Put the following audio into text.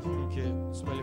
Kɛ so